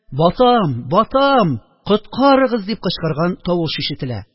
Батам! Батам! Коткарыгыз!» дип кычкырган тавыш ишетелә